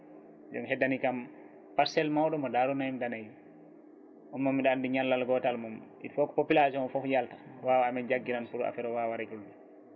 joni heddani kam parcelle mawɗo Darou nayyi * on moom mbiɗa andi ñallal gotal mum il faut ko population o foof yalta wawa amen jagguiran pour affaire o wawa reglude